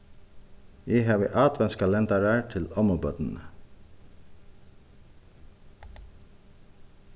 eg havi adventskalendarar til ommubørnini